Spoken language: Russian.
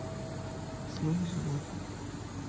испуги животных